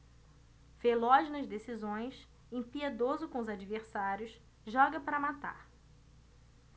veloz nas decisões impiedoso com os adversários joga para matar